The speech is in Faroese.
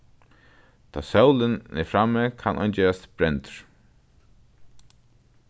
tá sólin er frammi kann ein gerast brendur